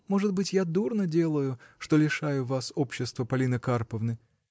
— Может быть, я дурно делаю, что лишаю вас общества Полины Карповны?